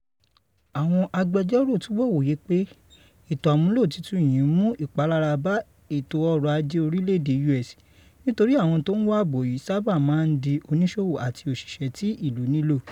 Àwọn agbẹjọ́rò túbọ̀ wòye pé ètò àmúlò titun yìí ń mú ìpalára bá ètò ọrọ̀ ajé orílẹ̀èdè US nítorí àwọn tó ń wá ààbò yìí sábà máa ń di oníṣòwò àti òṣìṣẹ́ tí ìlú nílò."